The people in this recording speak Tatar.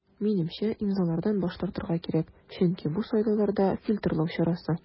Минемчә, имзалардан баш тартырга кирәк, чөнки бу сайлауларда фильтрлау чарасы.